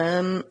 Yym.